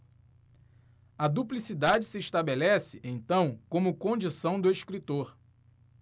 a duplicidade se estabelece então como condição do escritor